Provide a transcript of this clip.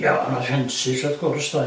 Ia o'na ffensys wrth gwrs doedd?